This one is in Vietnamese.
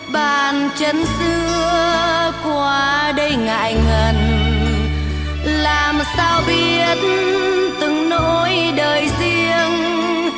bàn chân xưa qua đây ngại ngần làm sao biết từng nỗi đời riêng